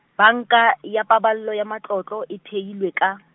Banka, ya Paballo ya Matlotlo, e theilwe ka .